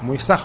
kamara